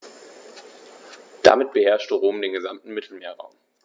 Damit beherrschte Rom den gesamten Mittelmeerraum.